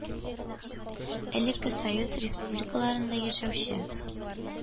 Элекке союз республикаларында яшәүче,